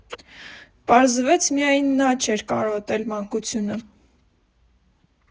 Պարզվեց՝ միայն նա չէր կարոտել մանկությունը.